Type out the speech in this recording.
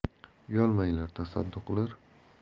uyalmanglar tasadduqlar